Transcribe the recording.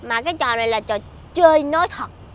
mà cái trò này là trò chơi nói thật